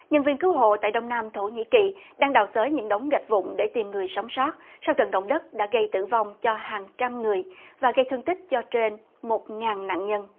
nhân viên cứu hộ tại đông nam thổ nhĩ kỳ đang đào xới những đống gạch vụn để tìm người sống sót sau trận động đất đã gây tử vong cho hàng trăm người và gây thương tích cho trên một ngàn nạn nhân